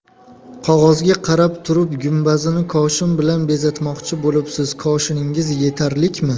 qog'ozga qarab turib gumbazini koshin bilan bezatmoqchi bo'libsiz koshiningiz yetarlikmi